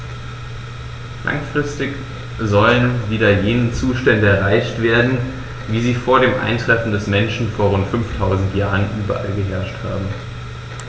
Langfristig sollen wieder jene Zustände erreicht werden, wie sie vor dem Eintreffen des Menschen vor rund 5000 Jahren überall geherrscht haben.